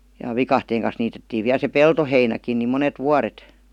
ja viikatteen kanssa niitettiin vielä se peltoheinäkin niin monet vuodet